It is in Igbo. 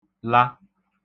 -la